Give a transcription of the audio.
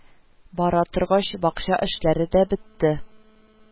Бара торгач бакча эшләре дә бетте